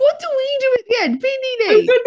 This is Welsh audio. What do we do again? Be ni'n wneud?